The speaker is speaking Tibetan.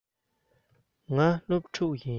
ང སློབ ཕྲུག ཡིན